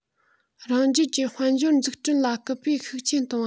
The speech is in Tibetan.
རང རྒྱལ གྱི དཔལ འབྱོར འཛུགས སྐྲུན ལ སྐུལ སྤེལ ཤུགས ཆེན གཏོང བ